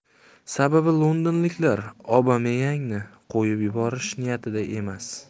sababi londonliklar obameyangni qo'yib yuborish niyatida emas